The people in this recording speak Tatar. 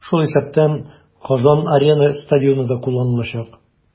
Шул исәптән "Казан-Арена" стадионы да кулланылачак.